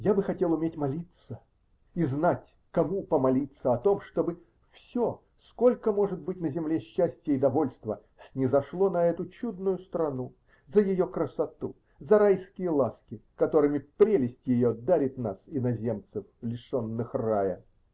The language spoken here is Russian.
Я бы хотел уметь молиться и знать, кому помолиться о том, чтобы все, сколько может быть на земле счастья и довольства, снизошло на эту чудную страну за ее красоту, за райские ласки, которыми прелесть ее дарит нас, иноземцев, лишенных рая.